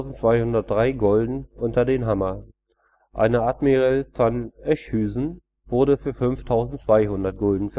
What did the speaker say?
4.203 Gulden unter den Hammer, eine Admirael van Enchhysen wurde für 5.200 Gulden verkauft